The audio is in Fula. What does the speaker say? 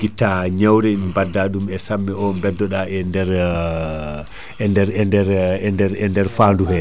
guitta ñewre badda ɗum e samme o beddoɗa ɗum e nder e nder , e nder e nder e nder e nder fandu he